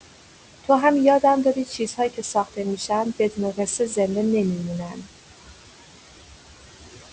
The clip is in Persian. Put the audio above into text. تو هم یادم دادی چیزهایی که ساخته می‌شن، بدون قصه زنده نمی‌مونن.